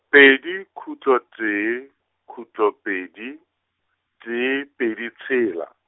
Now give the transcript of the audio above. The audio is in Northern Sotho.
pedi khutlo tee, khutlo pedi, tee pedi tshela.